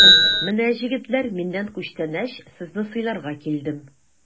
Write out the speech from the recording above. Менә, җегетләр, миннән күчтәнәч, сезне сыйларга килдем!